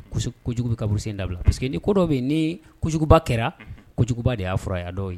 Kojugu bɛ kaburu sen dabila parce que ko dɔw bɛ yen, unhun, ni kojuguba kɛra, unhun, kojuguba de y'a fɔra ye a dɔw ye, unhun